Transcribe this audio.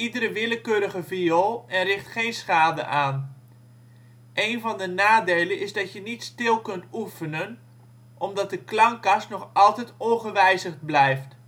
willekeurige viool en het richt geen schade aan. Eén van de nadelen is dat je niet stil kunt oefenen, omdat de klankkast nog altijd ongewijzigd blijft